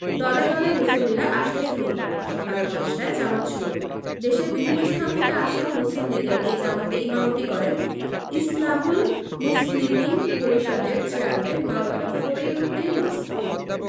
দলে দলে মুসল্লিরা আসতে শুরু করেন সকাল ১০টায় জামাত শুরু হয় দেশের বিভিন্ন স্থান থেকে আসা মুসল্লিদের এই জামাতে ইমামতি করেন ইসলাহুল মুসলিমিন পরিষদের চেয়ারম্যান মাওলানা ফরিদ উদ্দীন মাসউদ